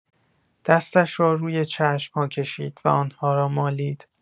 دستش را روی چشم‌ها کشید و آنها را مالید.